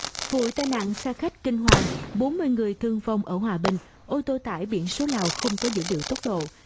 vụ tai nạn xe khách kinh hoàng người thương vong ở hoà ô tô tải biển số lào không có dữ liệu tốc độ